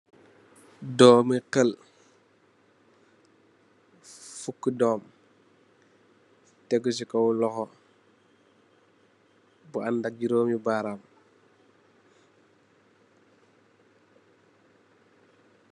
Ndomi khel forki ndom tegu si lohow bu andak juromi baram.